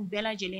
U bɛɛ lajɛlen